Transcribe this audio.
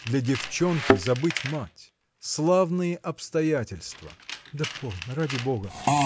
– Для девчонки забыть мать – славные обстоятельства! – Да полно, ради бога!